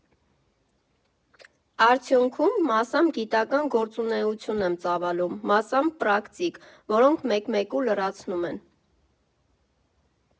Արդյունքում, մասամբ գիտական գործունեություն եմ ծավալում, մասամբ պրակտիկ, որոնք մեկմեկու լրացնում են։